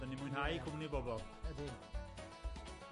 'Dan ni'n mwynhau cwmni bobol. Ydyn.